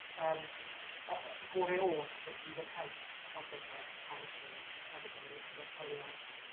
yym yy yy gore oll acos bydd yn help ar gyfer paratoi ar gyfer yr yr arholiad.